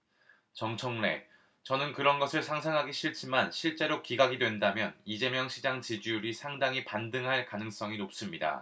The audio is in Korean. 정청래 저는 그런 것은 상상하기 싫지만 실제로 기각이 된다면 이재명 시장 지지율이 상당히 반등할 가능성이 높습니다